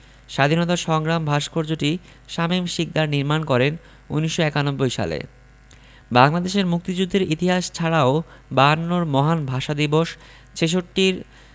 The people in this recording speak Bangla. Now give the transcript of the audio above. স্বাধীনতা সংগ্রাম ভাস্কর্যটি শামীম শিকদার নির্মাণ করেন ১৯৯১ সালে বাংলাদেশের মুক্তিযুদ্ধের ইতিহাস ছাড়াও বায়ান্নর মহান ভাষা দিবস ছেষট্টির